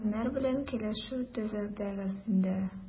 Кемнәр белән килешү төзедегез инде?